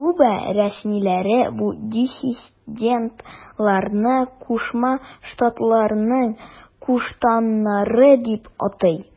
Куба рәсмиләре бу диссидентларны Кушма Штатларның куштаннары дип атый.